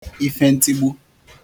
ife ntigbu